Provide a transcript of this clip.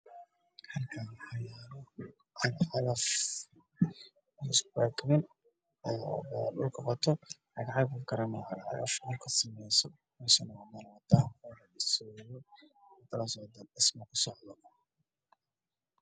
Waa laami waxaa maraayo laba cagaf cagaf midabkeedu yahay jaalle